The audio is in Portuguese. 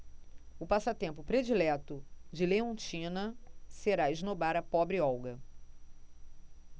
o passatempo predileto de leontina será esnobar a pobre olga